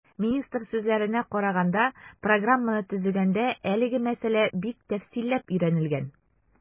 Министр сүзләренә караганда, программаны төзегәндә әлеге мәсьәлә бик тәфсилләп өйрәнелгән.